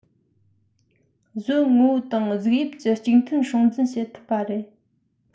གཟོད ངོ བོ དང གཟུགས དབྱིབས ཀྱི གཅིག མཐུན སྲུང འཛིན བྱེད ཐུབ པ རེད